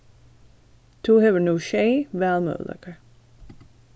tú hevur nú sjey valmøguleikar